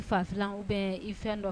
N fa fila u bɛ i fɛn dɔ